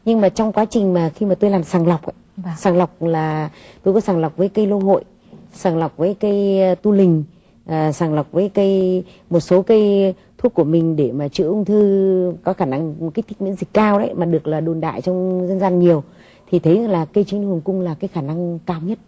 nhưng mà trong quá trình mà khi mà tôi làm sàng lọc và sàng lọc là cứ có sàng lọc với cây lô hội sàng lọc với cây tu lình sàng lọc với cây một số cây thuốc của mình để mà chữa ung thư có khả năng kích thích miễn dịch cao đấy mà được là đồn đại trong dân gian nhiều thì thấy là cây trinh nữ hoàng cung là cái khả năng cao nhất